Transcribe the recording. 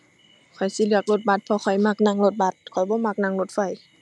ข้อยสิเลือกรถบัส เพราะข้อยมักนั่งรถบัส ข้อยบ่มักนั่งรถไฟ